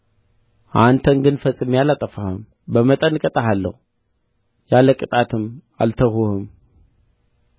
አንተን ግን ፈጽሜ አላጠፋህም በመጠን እቀጣሃለሁ ያለ ቅጣትም አልተውህም